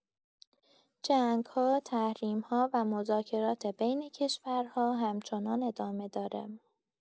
جنگ‌ها، تحریم‌ها و مذاکرات بین کشورها همچنان ادامه داره.